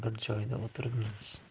bir joyda o'tiribmiz